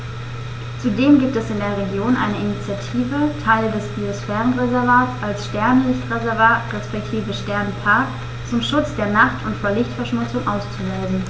Zudem gibt es in der Region eine Initiative, Teile des Biosphärenreservats als Sternenlicht-Reservat respektive Sternenpark zum Schutz der Nacht und vor Lichtverschmutzung auszuweisen.